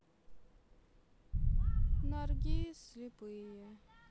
наргиз слепые